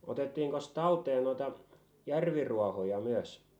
otettiinkos talteen noita järviruohoja myös